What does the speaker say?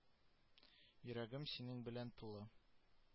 Йөрәгем синең белән тулы